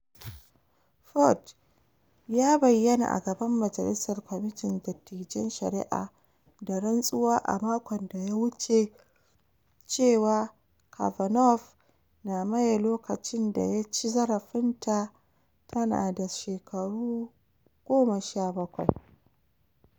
Ford ya bayyana a gaban Majalisar kwamitin Dattijan Shari'a da rantsuwa a makon da ya wuce cewa Kavanaugh na maye lokacin da yaci zarafinta tana da shekaru 17.